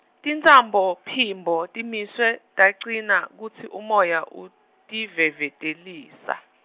Tintsambophimbo timiswe tacina kutsi umoya utivevetelisa.